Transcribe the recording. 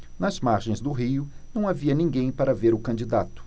nas margens do rio não havia ninguém para ver o candidato